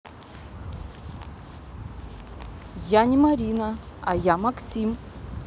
я не марина а я максим